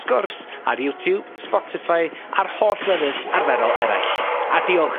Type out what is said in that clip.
Sgwrs a ryotub sbotsyffi ar holl lefydd arferol eraill. A diolch.